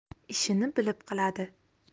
ishini bilib qiladi